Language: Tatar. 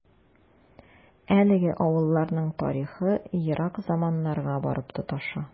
Әлеге авылларның тарихы ерак заманнарга барып тоташа.